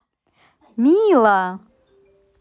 мило